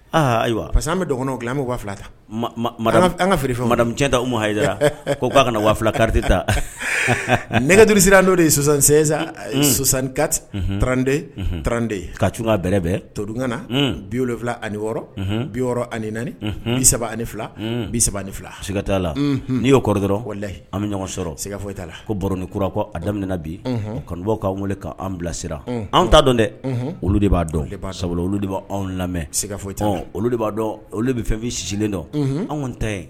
Aaa ayiwa parce que an bɛ dɔgɔn kɔnɔ bɛ' fila ta an ka fmadamuc ta ma hayi ko k'a kana wafi kariti ta nɛgɛdisira n'o yesansan sɔsankati trande trante ka tun bɛrɛ bɛ todkanana biwula ani wɔɔrɔ biɔrɔn ani naani bisa ani fila bisa ni fila suka t la n'i y'o kɔrɔ dɔrɔnyi an bɛ ɲɔgɔn sɔrɔ sigakafɔ' la ko baro ni kura a daminɛ bi kanubaw k'an weele k'an bilasira anw t'a dɔn dɛ olu de b'a dɔn sababu olu de b' anw lamɛn ska foyi olu de b'a dɔn olu bɛ fɛnfin sisilen dɔn anw ta yen